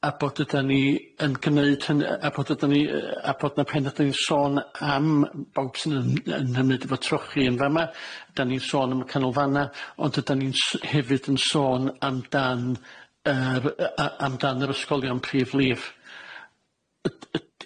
a bod ydan ni yn gneud hynna a bod ydan ni yy a bod 'na pan ydan ni'n sôn am bawb sy'n yn yn ymwneud efo trochi yn fa'ma 'dan ni'n sôn am y canolfanna ond ydan ni'n s- hefyd yn sôn am dan yr yy a- am dan yr ysgolion prif lif.